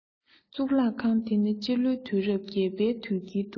གཙུག ལག ཁང དེ ནི སྤྱི ལོའི དུས རབས ༨ པའི དུས དཀྱིལ དུ